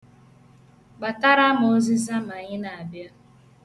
Kpatara m ụzịza ma ị na-abịa.